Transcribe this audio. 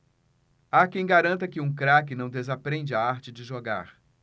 há quem garanta que um craque não desaprende a arte de jogar